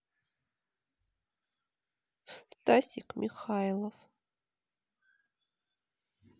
стасик михайлов